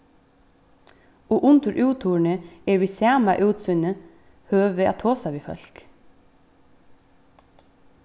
og undir úthurðini er við sama útsýni høvi at tosa við fólk